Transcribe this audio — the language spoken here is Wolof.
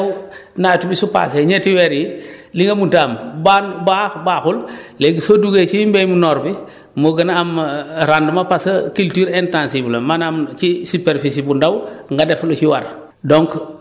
parce que dèjà yow nawet bi su passé ñetti weer yi li nga mënut a am mbaa mbaa baaxul léegi soo duggee ci mbéyum noor bi moo gën a am rendement parce que culture intensive la maanaam ci superficie bu ndaw nga def lu ci war